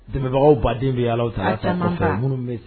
Denbagaw baden bɛ Alahutaala fɛ, a camanba, minnu bɛ